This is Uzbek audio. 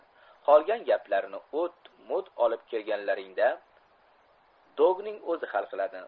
qolgan gaplarni o't mo't olib kelganlaringda dogning o'zi hal qiladi